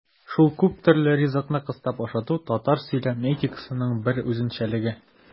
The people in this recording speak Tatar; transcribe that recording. Шул күптөрле ризыкны кыстап ашату татар сөйләм этикетының бер үзенчәлеге.